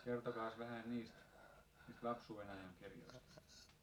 kertokaas vähän niistä niistä lapsuuden ajan kirjoista